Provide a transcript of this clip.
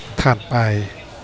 ถัดไป